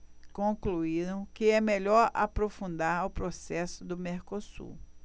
concluíram que é melhor aprofundar o processo do mercosul